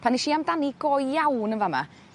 pan esh i amdani go iawn yn fa' 'ma